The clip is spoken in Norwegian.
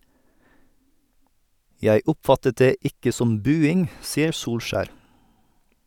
Jeg oppfattet det ikke som buing, sier Solskjær.